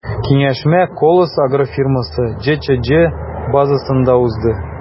Киңәшмә “Колос” агрофирмасы” ҖЧҖ базасында узды.